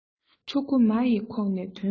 ཕྲུ གུ མ ཡི ཁོག ནས ཐོན པའི དུས